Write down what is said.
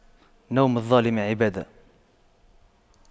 نوم الظالم عبادة